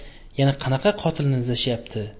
yana qanaqa qotilni izlashyapti